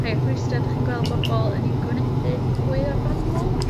rhai o rhwystra' 'dych chi'n gweld bobol yn 'u gwynebu fwyaf amyl?